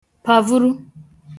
pàvuru